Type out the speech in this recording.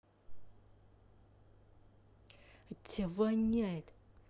от тебя воняет